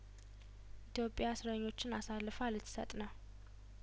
ኢትዮጵያ እስረኞችን አሳልፋ ልትሰጥ ነው